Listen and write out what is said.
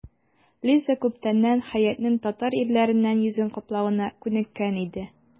Лиза күптәннән Хәятның татар ирләреннән йөзен каплавына күнеккән иде.